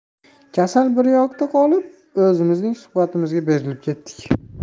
kasal bir yoqda qolib o'zimizning suhbatimizga berilib ketdik